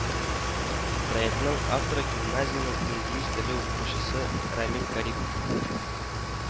Проектның авторы гимназиянең инглиз теле укытучысы Рамил Гарипов